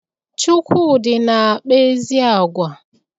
Chukwudị na-akpa ezi agwa.